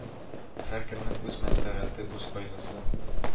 Һәркемнең үз мәнфәгате, үз кайгысы